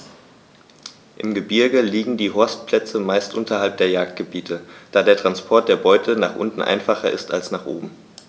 Im Gebirge liegen die Horstplätze meist unterhalb der Jagdgebiete, da der Transport der Beute nach unten einfacher ist als nach oben.